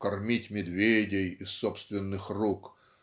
кормить медведей из собственных рук